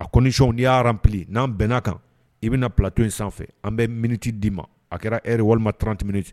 A kocw n'i'p n'an bɛnna kan i bɛna na pto in sanfɛ an bɛ miniti d'i ma a kɛra hɛrɛri walima trantim